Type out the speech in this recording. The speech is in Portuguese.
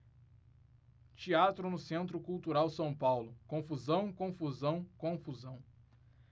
teatro no centro cultural são paulo confusão confusão confusão